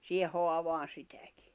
siihen haavaan sitäkin